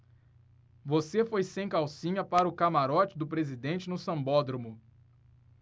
você foi sem calcinha para o camarote do presidente no sambódromo